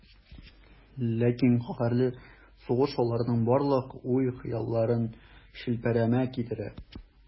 Ләкин каһәрле сугыш аларның барлык уй-хыялларын челпәрәмә китерә.